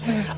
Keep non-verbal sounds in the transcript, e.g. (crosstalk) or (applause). (hesitation) (hesitation)